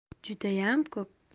judayam ko'p